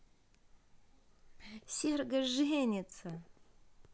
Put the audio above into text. серго женится